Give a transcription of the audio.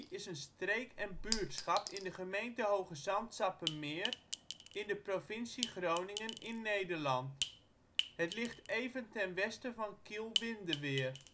is een streek en buurtschap in de gemeente Hoogezand-Sappemeer in de provincie Groningen in Nederland. Het ligt even ten westen van Kiel-Windeweer